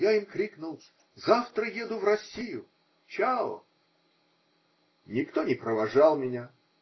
Я им крикнул: -- Завтра еду в Россию, "чао!" Никто не провожал меня.